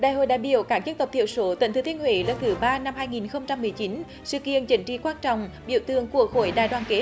đại hội đại biểu các dân tộc thiểu số tỉnh thừa thiên huế lần thứ ba năm hai nghìn không trăm mười chín sự kiện chính trị quan trọng biểu tượng của khối đại đoàn kết